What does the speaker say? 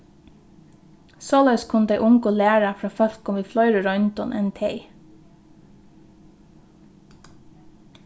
soleiðis kunnu tey ungu læra frá fólkum við fleiri royndum enn tey